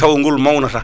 tawa ngol mawnata